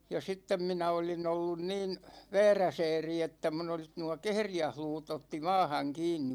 ja sitten minä olin ollut niin vääräsääri että minun olisi nuo kehriäisluut otti maahan kiinni